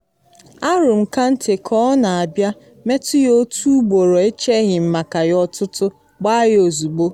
“Ahụrụ m Kante ka ọ na abịa, metụ ya otu ugboro, echeghị m maka ya ọtụtụ, gbaa ya ozugbo.”